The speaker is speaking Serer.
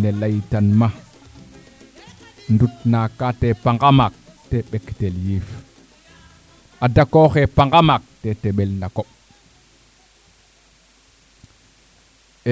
nen ley tan ma ndutna kaate panga maak te mbektel yiif a dakooxe panga maak te teɓel na koɓ